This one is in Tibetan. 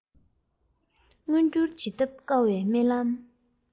མངོན འགྱུར བྱེད ཐབས དཀའ བའི རྨི ལམ